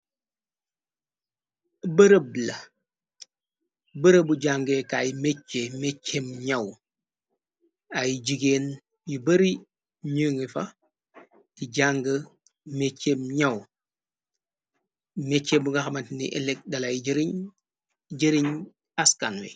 Brb la bërëbu jàngeekaay mécce mécem ñaw ay jigéen yu bari ñungi fax ti jàng méccem ñaw mécce bu gaxamat ni elek dalaay jëriñ askanway.